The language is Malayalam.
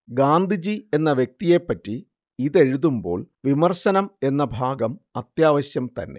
ഗാന്ധിജി എന്ന വ്യക്തിയെ പറ്റി എഴുതുമ്പോൾ വിമർശനം എന്ന ഭാഗം അത്യാവശ്യം തന്നെ